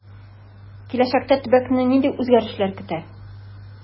Киләчәктә төбәкне нинди үзгәрешләр көтә?